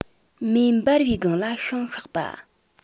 མེ འབར བའི སྒང ལ ཤིང བཤགས པ